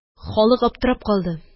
Халык аптырап калды